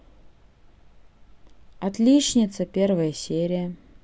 отличница первая серия